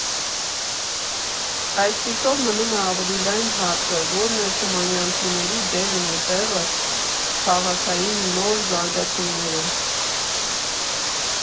Այսպիսով, մնում է ավելի լայն հարցը՝ ո՞րն է թումանյանցիների դերն ու տեղը քաղաքային նոր զարգացումներում։